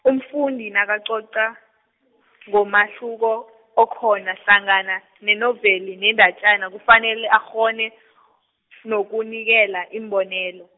umfundi nakacoca, ngomahluko okhona hlangana, nenovela nendatjana kufanele akghone , nokunikela iimbonelo.